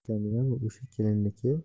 jamilamidi o'sha kelinniki